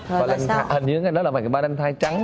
hình hình như ngày đó là ngày va len thai trắng